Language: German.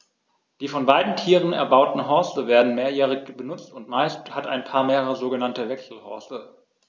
Die von beiden Tieren erbauten Horste werden mehrjährig benutzt, und meist hat ein Paar mehrere sogenannte Wechselhorste.